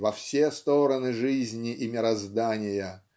во все стороны жизни и мироздания